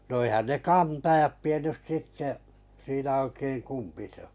no eihän ne kantajat tiennyt sitten siinä oikein kumpi se on